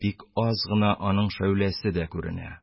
Бик аз гына аның шәүләсе дә күренә.